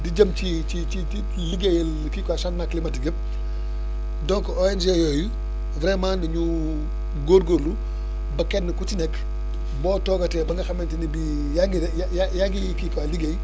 di jëm ci ci ci liggéeyal kii quoi changement climatique yëpp donc ONG yooyu vraiment ñu góorgóorlu ba kenn ku ci nekk boo toogatee ba nga xamante ni bii yaa ngi ya ya yaa ngi kii quoi liggéey